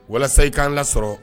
Walasa i ka an lasɔrɔ